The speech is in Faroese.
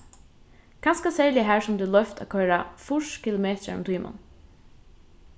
kanska serliga har sum tað er loyvt at koyra fýrs kilometrar um tíman